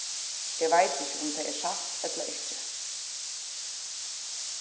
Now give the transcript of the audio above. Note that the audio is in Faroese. eg veit ikki um tað er satt ella ikki